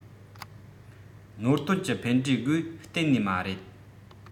ནོར དོན གྱི ཕན འབྲས དགོས གཏན ནས མ རེད